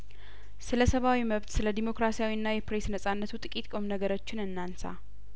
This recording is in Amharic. ስለሰባዊ መብት ስለዲሞክራሲ ውና የፕሬስ ነጻነቱ ጥቂት ቁም ነገሮችን እናንሳ